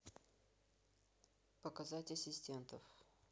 показать ассистентов